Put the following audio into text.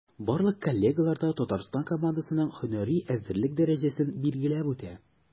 Барлык коллегалар да Татарстан командасының һөнәри әзерлек дәрәҗәсен билгеләп үтә.